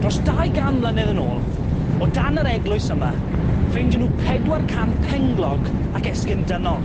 Dros dau gan mlynedd yn ôl o dan yr eglwys yma ffeindion n'w pedwar can penglog ac esgyrn dynol.